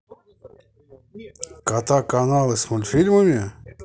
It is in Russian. кота каналы с мультфильмами